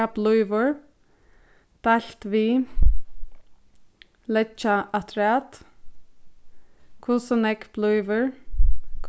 tað blívur deilt við leggja afturat hvussu nógv blívur